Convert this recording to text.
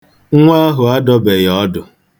Nwa ahụ adọbeghị ọdụ.